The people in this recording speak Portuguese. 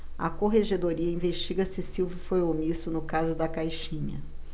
a corregedoria investiga se silva foi omisso no caso da caixinha